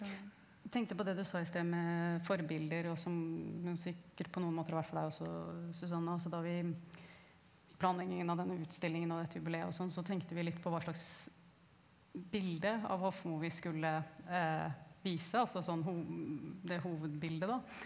jeg tenkte på det du sa i sted med forbilder og som hun sikkert på noen måter har vært for deg også Susanne altså da vi i planleggingen av denne utstillingen og dette jubileet og sånn så tenkte vi litt på hva slags bilde av Hofmo vi skulle vise altså sånn det hovedbildet da.